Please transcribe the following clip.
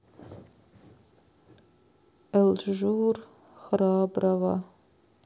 элжур храброва